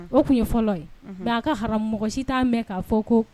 O tun ye fɔlɔ ye a ka ara si t' mɛn'a fɔ ko